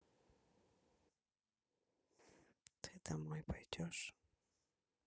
ты домой пойдешь